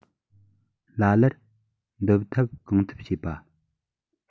ལ ལར འདུམ ཐབས གང ཐུབ བྱེད པ